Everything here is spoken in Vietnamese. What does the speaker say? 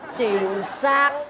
chính xác